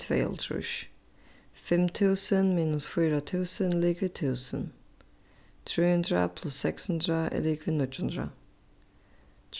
tveyoghálvtrýss fimm túsund minus fýra túsund ligvið túsund trý hundrað pluss seks hundrað er ligvið níggju hundrað